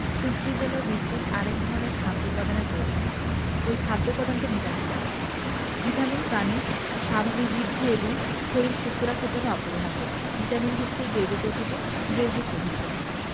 পুষ্টির জন্য বিশেষ আরেক ধরনের খাদ্য উপাদানের পয়োজন হয় ঐ খাদ্য উপাদানকে ভিটামিন বলে ভিটামিন প্রাণীর স্বাভাবিক বিদ্ধি এবং শরীল সুস্থ রাখার জন্য অপরিহার্য ভিটামিন হচ্ছে জৈব প্রকৃতির যৌগিক পদার্থ